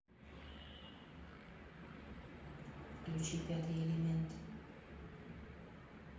включи пятый элемент